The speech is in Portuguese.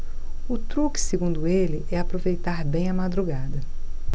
o truque segundo ele é aproveitar bem a madrugada